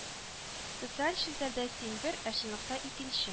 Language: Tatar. Социаль челтәрдә син бер, ә чынлыкта икенче